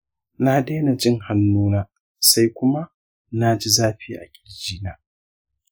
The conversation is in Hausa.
na daina jin hannu na sai kuma naji zafi a ƙirji na